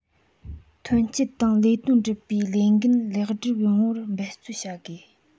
ཐོན སྐྱེད དང ལས དོན སྒྲུབ པའི ལས འགན ལེགས འགྲུབ བྱེད པར འབད བརྩོན བྱ དགོས